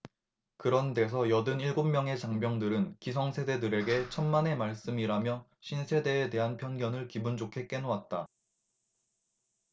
그런 데서 여든 일곱 명의 장병들은 기성세대들에게 천만의 말씀이라며 신세대에 대한 편견을 기분좋게 깨놓았다